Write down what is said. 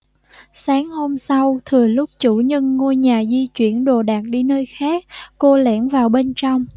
sáng hôm sau thừa lúc chủ nhân ngôi nhà di chuyển đồ đạc đi nơi khác cô lẻn vào bên trong